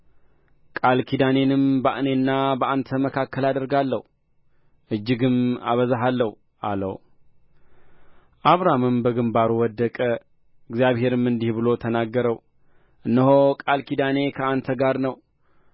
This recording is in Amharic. ቃል ኪዳኔንም በእኔና በአንተ መካከል አደርጋለሁ እጅግም አበዛሃለሁ አለው አብራምም በግምባሩ ወደቀ እግዚአብሔርም እንዲህ ብሎ ተናገረው እነሆ ቃል ኪዳኔ ከአንተ ጋር ነው